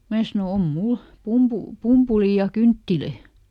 minä sanoin on minulla - pumpulia ja kynttilöitä